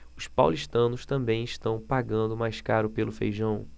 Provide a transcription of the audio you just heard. os paulistanos também estão pagando mais caro pelo feijão